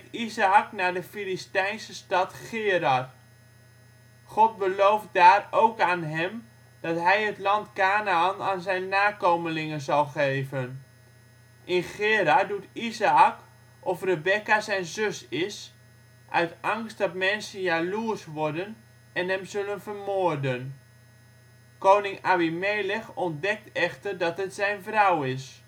Izaäk naar de Filistijnse stad Gerar. God belooft daar ook aan hem dat hij het land Kanaän aan zijn nakomelingen zal geven. In Gerar doet Izaäk of Rebekka zijn zus is, uit angst dat mensen jaloers worden en hem zullen vermoorden. Koning Abimelech ontdekt echter dat het zijn vrouw is